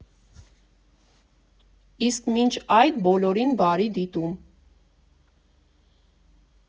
Իսկ մինչ այդ՝ բոլորին բարի դիտում։